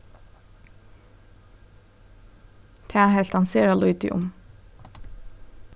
tað helt hann sera lítið um